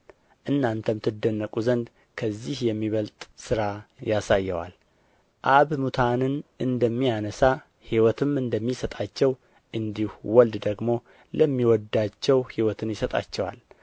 እናንተም ትደነቁ ዘንድ ከዚህ የሚበልጥ ሥራ ያሳየዋል አብ ሙታንን እንደሚያነሣ ሕይወትም እንደሚሰጣቸው እንዲሁ ወልድ ደግሞ ለሚወዳቸው ሕይወትን ይሰጣቸዋል